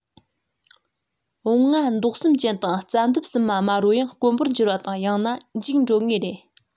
བོང ང མདོག གསུམ ཅན དང རྩྭ འདབ གསུམ མ དམར པོ ཡང དཀོན པོར འགྱུར བ དང ཡང ན འཇིག འགྲོ ངེས རེད